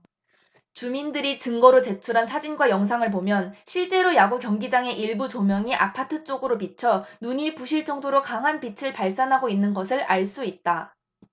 주민들이 증거로 제출한 사진과 영상을 보면 실제로 야구경기장의 일부 조명이 아파트 쪽으로 비쳐 눈이 부실 정도의 강한 빛을 발산하고 있는 것을 알 수 있다